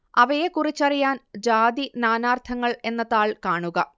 അവയെക്കുറിച്ചറിയാൻ ജാതി നാനാർത്ഥങ്ങൾ എന്ന താൾ കാണുക